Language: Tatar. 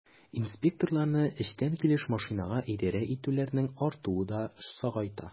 Инспекторларны эчкән килеш машинага идарә итүчеләрнең артуы да сагайта.